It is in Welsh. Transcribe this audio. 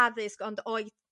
addysg ond o'i